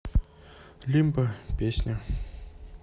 лимба песня